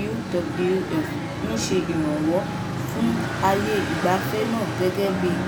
WWF ń ṣe ìrànwọ́ fún àyè ìgbafẹ́ náà gẹ́gẹ́ bíi